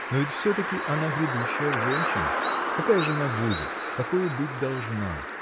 Но ведь все-таки она грядущая женщина: какая же она будет, какою быть должна?